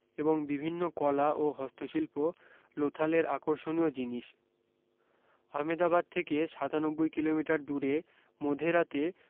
এবং বিভিন্ন কলা ও হস্তশিল্প লোথালের আকর্ষণীয় জিনিস আহমেদাবাদ থেকে সাতানব্বই কিলোমিটার দূরে মোধেরাতে